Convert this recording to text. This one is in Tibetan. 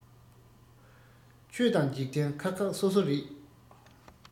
ཆོས དང འཇིག རྟེན ཁག ཁག སོ སོ རེད